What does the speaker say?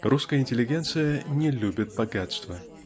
Русская интеллигенция не любит богатства.